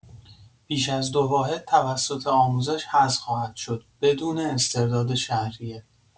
بیش از دو واحد توسط آموزش حذف خواهد شد، بدون استرداد شهریه